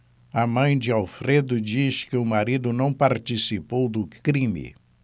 a mãe de alfredo diz que o marido não participou do crime